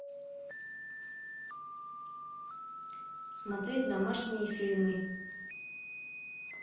смотреть домашние фильмы